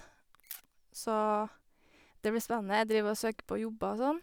Så det blir spennende, jeg driver og søker på jobber og sånn.